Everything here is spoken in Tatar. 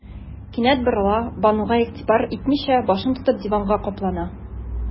Кинәт борыла, Бануга игътибар да итмичә, башын тотып, диванга каплана.